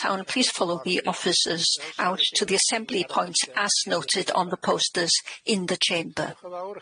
Please follow the officers out to the assembly point as noted on the posters in the Chamber.